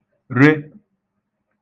-re